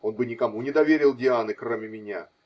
он бы никому не доверил Дианы, кроме меня